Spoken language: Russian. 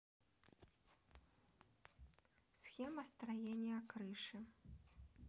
схема строения крыши